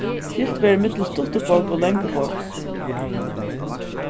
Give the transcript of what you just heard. skilt verður í millum stuttu borg og langu borg